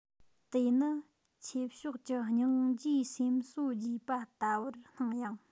དེ ནི ཆོས ཕྱོགས ཀྱི སྙིང རྗེའི སེམས གསོ བགྱིས པ ལྟ བུར སྣང ཡང